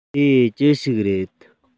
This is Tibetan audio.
དེ ཅི ཞིག རེད